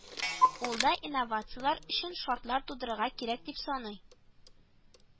Ул да инновацияләр өчен шартлар тудырырга кирәк дип саный